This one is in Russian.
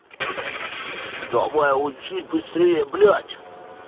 давай учись быстрее блядь